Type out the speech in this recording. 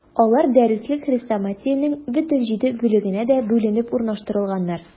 Алар дәреслек-хрестоматиянең бөтен җиде бүлегенә дә бүленеп урнаштырылганнар.